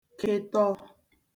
ketọọ